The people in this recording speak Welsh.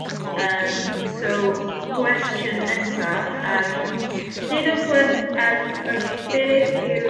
Yym so cwestiwn nesaf yym dudwch wr- yym wrth beth yw'r